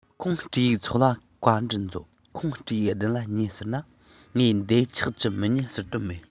ཁོང སྤྲེའུའི ཚོགས ལ བཀའ འདྲི མཛོད ཁོང སྤྲེའུས སྡུམ ལ ཉན ཟེར ན ངེད འདབ ཆགས ཀྱིས མི ཉན ཟེར དོན མེད